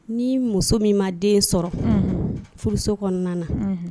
Ni muso min ma den sɔrɔ furuso kɔnɔna